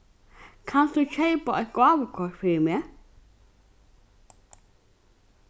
kanst tú keypa eitt gávukort fyri meg